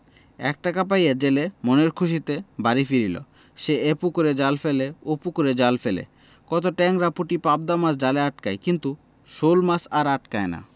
এক টাকা পাইয়া জেলে মনের খুশীতে বাড়ি ফিরিল সে এ পুকুরে জাল ফেলে ও পুকুরে জাল ফেলে কত টেংরা পুঁটি পাবদা মাছ জালে আটকায় কিন্তু শোলমাছ আর আটকায় না